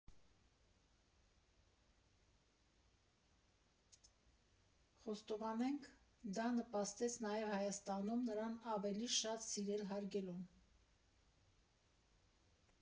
Խոստովանենք՝ դա նպաստեց նաև Հայաստանում նրան ավելի շատ սիրել֊հարգելուն։